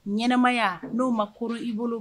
Ɲɛnɛmaya n'o ma kɔrɔ i bolo